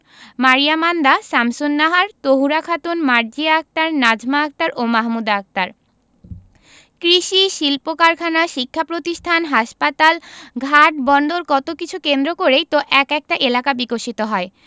মারিয়া মান্দা শামসুন্নাহার তহুরা খাতুন মার্জিয়া আক্তার নাজমা আক্তার ও মাহমুদা আক্তার কৃষি শিল্পকারখানা শিক্ষাপ্রতিষ্ঠান হাসপাতাল ঘাট বন্দর কত কিছু কেন্দ্র করেই তো এক একটা এলাকা বিকশিত হয়